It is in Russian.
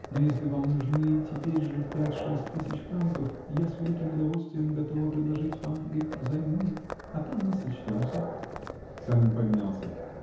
Но если вам нужны теперь же пять, шесть тысяч франков, я с великим удовольствием готова предложить вам их взаймы -- а там мы сочтемся. Санин поднялся.